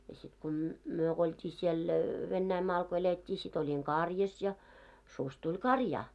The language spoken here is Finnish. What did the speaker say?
ja sitten kun - me kun oltiin siellä Venäjänmaalla kun elettiin sitten olin karjassa ja susi tuli karjaan